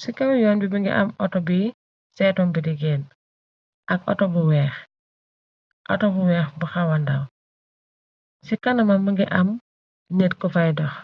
Ci kaw yoon bi më ngi am auto bi setom bidigeen ak auto bu weex autobu weex bu xawandaw ci kanama mëngi am net ko fay dox